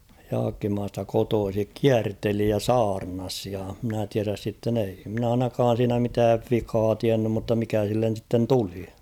Jaakkimasta kotoisin kierteli ja saarnasi ja minä tiedä sitten ei minä ainakaan siinä mitään vikaa tiennyt mutta mikä sille sitten tuli